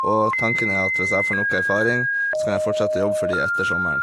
Og tanken er at hvis jeg får nok erfaring, så kan jeg fortsette å jobbe for de etter sommeren.